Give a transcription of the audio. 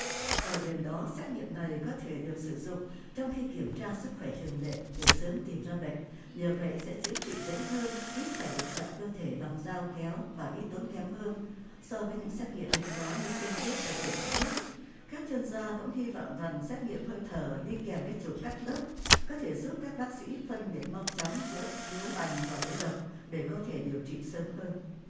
ở điểm đó xét nghiệm này có thể được sử dụng trong khi kiểm tra sức khỏe thường lệ để sớm tìm ra bệnh nhờ vậy sẽ chữa trị dễ hơn ít phải đụng chạm cơ thể bằng dao kéo và ít tốn kém hơn so với những xét nghiệm hiện có như sinh thiết và chụp cắt lớp các chuyên gia cũng hy vọng rằng xét nghiệm hơi thở đi kèm với chụp cắt lớp có thể giúp các bác sĩ phân biệt mau chóng giữa bướu lành và búa độc để có thể điều trị sớm hơn